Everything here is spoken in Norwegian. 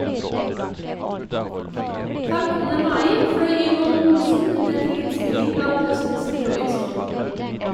15. mai fløy Yvonne Olsen ned til innspilling av høstens "Robinson".